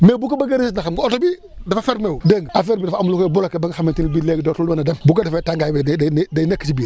mais bu ko bëggee rejetter xam nga oto bi dafa fermer wu dégg nga affaire bi dafa am lu koy bloquer ba nga xamante ni bii léegi dootul mën a dem bu ko defee tàngaay bi day day nekk si biir